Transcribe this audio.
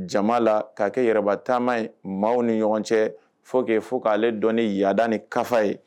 Jama la ka'a kɛ yɛrɛraba taama ye maaw ni ɲɔgɔn cɛ fɔ' fo k'ale ale dɔn ni yaada ni kafa ye